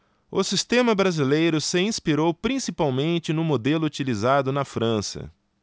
o sistema brasileiro se inspirou principalmente no modelo utilizado na frança